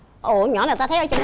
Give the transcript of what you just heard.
ủa con nhỏ này ta thấy trong